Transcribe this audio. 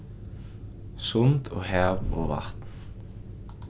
sund og hav og vatn